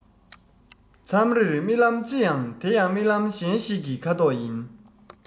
མཚམས རེར རྨི ལམ ཅི ཡང དེ ཡང རྨི ལམ གཞན ཞིག གི ཁ དོག ཡིན